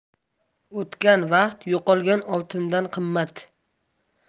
o'tgan vaqt yo'qolgan oltindan qimmat